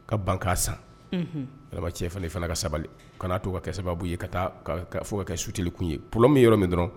Ka ban' san ala cɛ fana fana ka sabali kana' to ka kɛ sababu ye ka taa fɔ ka kɛ sutirilikun ye p min yɔrɔ min dɔrɔn